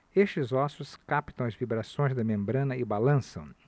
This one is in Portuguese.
estes ossos captam as vibrações da membrana e balançam